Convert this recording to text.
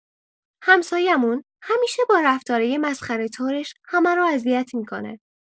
همسایه‌مون همیشه با رفتارای مسخره‌طورش همه رو اذیت می‌کنه.